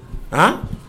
A